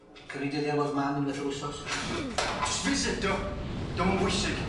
Wi'n cofio dyddia' weld mam unweth yr wsos. Jyst visit 'di o. 'Di o'm yn bwysig.